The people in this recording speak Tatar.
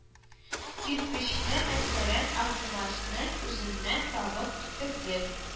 Кирпечне мәсәлән архумасның үзеннән табып китердек